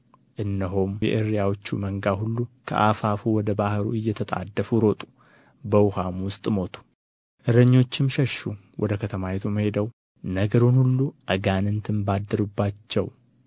እነሆም የእሪያዎቹ መንጋ ሁሉ ከአፋፉ ወደ ባሕር እየተጣደፉ ሮጡ በውኃም ውስጥ ሞቱ እረኞችም ሸሹ ወደ ከተማይቱም ሄደው ነገሩን ሁሉ አጋንንትም በአደሩባቸው